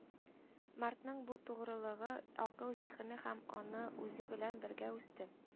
«марта»ның бу тугрылыгы, акыл, зиһене һәм аңы үзе белән бергә үсте